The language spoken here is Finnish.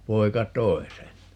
poika toi sen